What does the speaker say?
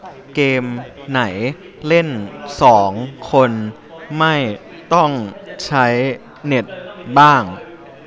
เกมไหนเล่นสองคนไม่ต้องใช้เน็ตบ้าง